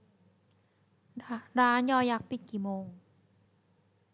ร้านยยักษ์ปิดกี่โมง